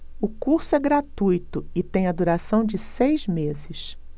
o curso é gratuito e tem a duração de seis meses